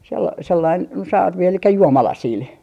- sellainen no sarvi eli juomalasilla